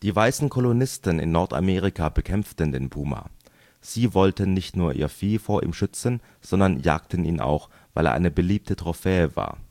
weißen Kolonisten in Nordamerika bekämpften den Puma. Sie wollten nicht nur ihr Vieh vor ihm schützen, sondern jagten ihn auch, weil er eine beliebte Trophäe war